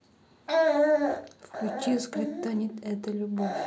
включи скриптонит это любовь